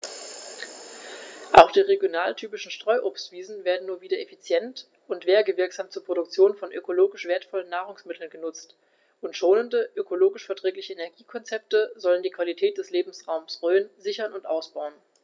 Auch die regionaltypischen Streuobstwiesen werden nun wieder effizient und werbewirksam zur Produktion von ökologisch wertvollen Nahrungsmitteln genutzt, und schonende, ökologisch verträgliche Energiekonzepte sollen die Qualität des Lebensraumes Rhön sichern und ausbauen.